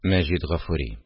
Мәҗит Гафури